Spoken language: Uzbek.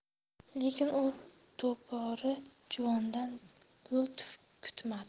lekin u to'pori juvondan lutf kutmadi